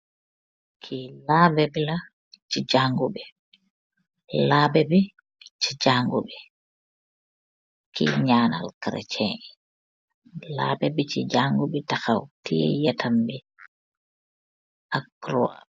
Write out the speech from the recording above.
Kee laabe bi laa se jaagu bi , leebe bi se jaagu bi koy nyanal chrische yee, laabe se jaagu bi tahaw teyee yetam bi ak pro.